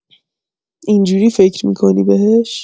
اینجوری فکر می‌کنی بهش؟